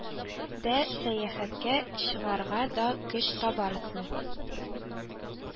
Дә, сәяхәткә чыгарга да көч табарсың